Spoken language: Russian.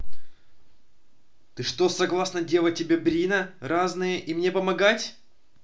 ты что согласна делать тебя брина разные и мне помогать